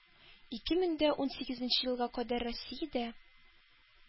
Ике мең дә унсигезенче елга кадәр Россиядә,